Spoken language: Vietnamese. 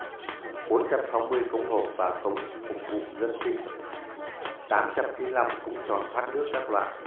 cống hộp và cống phục vụ dân sinh cống tròn thoát nước các loại